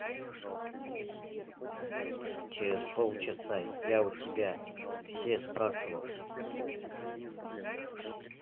через полчаса я у тебя все спрашивал